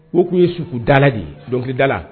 U k'u ye suku dala ye dɔnkilikida la